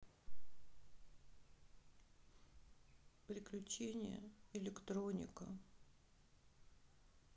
приключение электроника